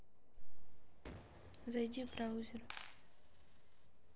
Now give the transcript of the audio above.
зайди в браузер